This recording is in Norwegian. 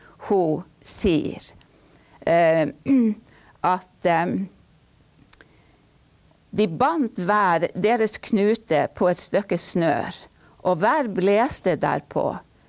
hun sier at de bandt hver deres knute på et stykke snøre, og hver blåste derpå.